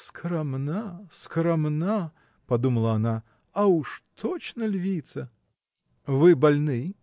"Скромна, скромна, -- подумала она, -- а уж точно львица". -- Вы больны?